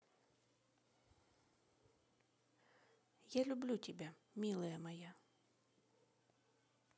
я люблю тебя милая моя